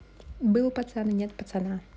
был пацан и нет пацана